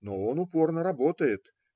Но он упорно работает